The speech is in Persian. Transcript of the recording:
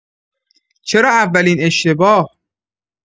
چرا اولین اشتباه؟